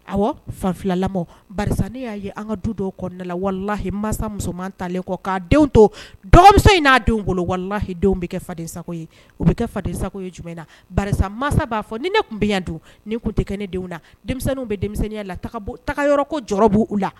Ɔwɔ fa filala ne y'a ye an ka du dɔw kɔnɔna walalahi masa musoman talen kɔ k'a denw to dɔgɔmuso in n'a denw walalahi denw bɛ kɛ fadensa ye u bɛ kɛ fadensa ye jumɛn na masa b'a fɔ ni ne tun bɛ yan dun ni tun tɛ kɛ ne denw law bɛ denmisɛnninya la taga yɔrɔ ko jɔyɔrɔ b u la